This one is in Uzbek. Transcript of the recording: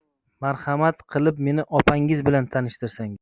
marhamat qilib meni opanggiz bilan tanishtirsangiz